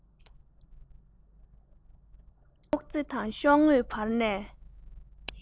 སྨྱུག རྩེ དང ཤོག ངོས བར ནས